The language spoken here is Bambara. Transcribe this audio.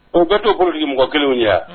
O bɛ t'o politique mɔgɔ kelenw ye wa?